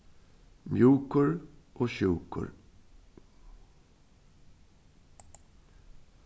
mjúkur og sjúkur